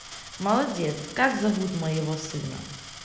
молодец как зовут моего сына